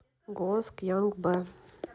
голос янг б